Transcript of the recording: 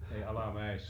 ei alamäessäkään